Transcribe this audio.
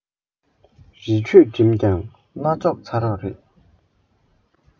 རི ཁྲོད འགྲིམས ཀྱང རྣ ཅོག ཚ རོགས རེད